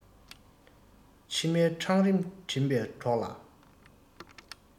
ཕྱི མའི འཕྲང རིང འགྲིམ པའི གྲོགས ལ